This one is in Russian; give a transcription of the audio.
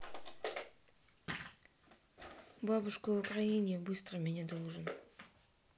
бабушка в украине быстро меня должен